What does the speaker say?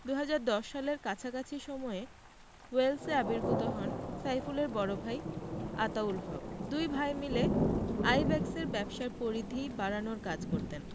২০১০ সালের কাছাকাছি সময়ে ওয়েলসে আবির্ভূত হন সাইফুলের বড় ভাই আতাউল হক দুই ভাই মিলে আইব্যাকসের ব্যবসার পরিধি বাড়ানোর কাজ করতেন